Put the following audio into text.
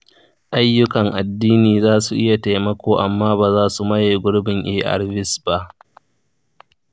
ayyukan addini zasu iya taimako amma bazasu maye gurbin arvs ba.